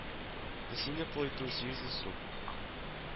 Песине көл итү сигез йөз сум